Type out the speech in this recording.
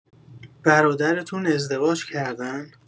برادرتون ازدواج کردن؟